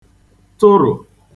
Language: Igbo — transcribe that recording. tụrụ̀